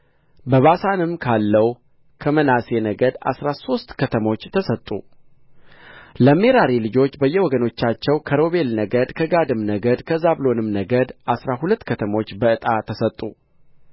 በባሳንም ካለው ከምናሴ ነገድ አሥራ ሦስት ከተሞች ተሰጡ ለሜራሪ ልጆች በየወገናቸው ከሮቤል ነገድ ከጋድም ነገድ ከዛብሎንም ነገድ አሥራ ሁለት ከተሞች በዕጣ ተሰጡ